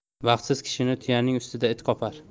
baxtsiz kishini tuyaning ustida it qopar